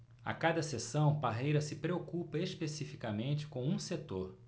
a cada sessão parreira se preocupa especificamente com um setor